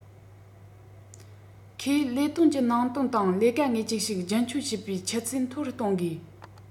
ཁོས ལས དོན གྱི ནང དོན དང ལས ཀ ངེས ཅན ཞིག རྒྱུན འཁྱོངས བྱེད པའི ཆུ ཚད མཐོ རུ གཏོང དགོས